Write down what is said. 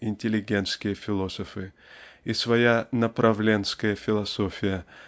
интеллигентские философы и своя направленская философия